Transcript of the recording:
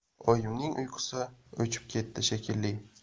oyimning uyqusi o'chib ketdi shekilli